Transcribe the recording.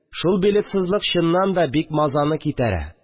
Шул билетсызлык, чыннан да, бик мазаны китәрә